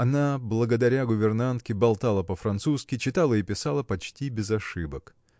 она благодаря гувернантке болтала по-французски читала и писала почти без ошибок.